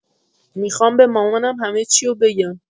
میخوام به مامانم همه چیو بگم